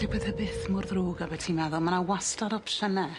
Dyw pethe byth mor ddrwg â be' ti'n meddwl, ma' 'na wastod opsiyne.